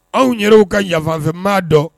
Anw yɛrɛ' ka yafafanfɛnmaa dɔn